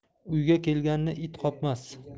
uyga kelganni it qopmas